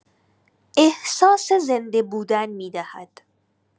احساس زنده‌بودن می‌دهد.